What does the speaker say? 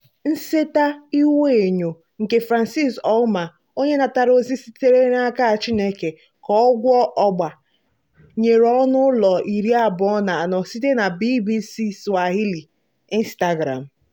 Nsetaihuenyo nke Francis Ouma, onye natara ozi sitere n'aka Chineke ka ọ gwuo ọgba nwere ọnụ ụlọ iri abụọ na anọ site na BBC Swahili / Instagram.